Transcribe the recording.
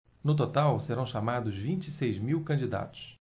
no total serão chamados vinte e seis mil candidatos